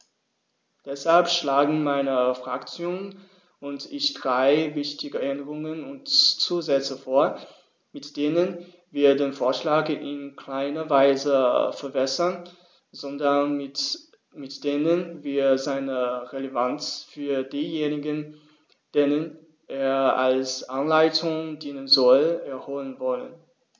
Deshalb schlagen meine Fraktion und ich drei wichtige Änderungen und Zusätze vor, mit denen wir den Vorschlag in keiner Weise verwässern, sondern mit denen wir seine Relevanz für diejenigen, denen er als Anleitung dienen soll, erhöhen wollen.